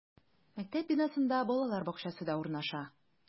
Мәктәп бинасында балалар бакчасы да урнаша.